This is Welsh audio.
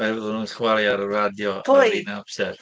Oherwydd oedden nhw'n chwarae ar y radio... Pwy? ...ar yr un amser.